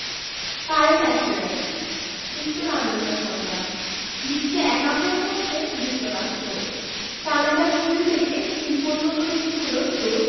current affairs উত্তর America সংবাদ বিশ্বে একা হয়ে পড়ছে যুক্তরাষ্ট্র কানাডার কুইবেকে শিল্পোন্নত দেশগুলোর জোট